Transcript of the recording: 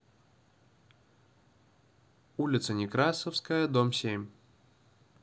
улица некрасовская дом семь